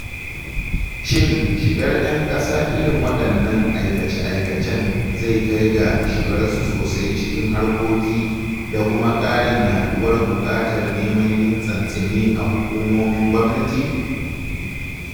Shin shigar 'yan ƙasa irin waɗannan aikace-aikacen zai kai ga shigarsu sosai cikin harkoki da kuma ƙarin yaɗuwar buƙatar neman yin tsantseni a hukumomin gwamnati?